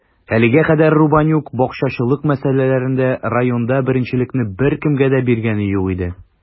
Әлегә кадәр Рубанюк бакчачылык мәсьәләләрендә районда беренчелекне беркемгә дә биргәне юк иде.